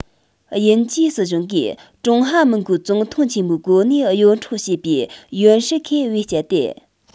དབྱིན ཇུས སྲིད གཞུང གིས ཀྲུང ཧྭ མིན གོའི ཙུང ཐུང ཆེན མོའི གོ གནས གཡོ འཕྲོག བྱས པའི ཡོན ཧྲི ཁེ བེད སྤྱད དེ